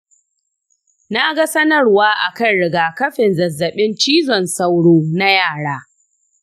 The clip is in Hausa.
naga sanarwa akan rigakafin zazzaɓin cizon sauro na yara.